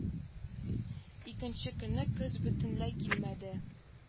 Икенче көнне кыз бөтенләй килмәде